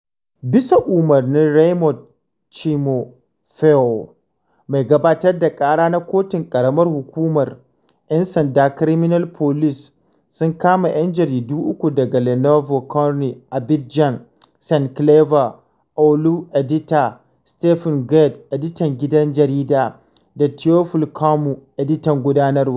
Bisa umarnin Raymond Tchimou Fehou, mai gabatar da ƙara na kotun ƙaramar hukumar, 'yan sandan Criminal Policwe sun kama ‘yan jarida uku daga Le Nouveau Courrier d’Abidjan, Saint Claver Oula, edita, Steéphane Guédé, editan gidan jarida, da Théophile Kouamouo, editan gudanarwa.